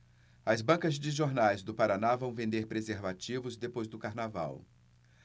as bancas de jornais do paraná vão vender preservativos depois do carnaval